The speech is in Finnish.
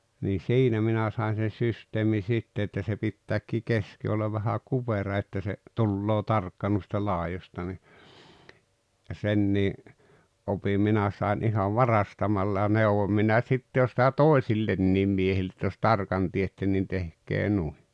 niin siinä minä sain sen systeemin sitten että se pitääkin keski olla vähän kupera että se tulee tarkka noista laidoista niin senkin opin minä sain ihan varastamalla ja neuvoin minä sitten jo sitä toisille miehille että jos tarkan teette niin tehkää noin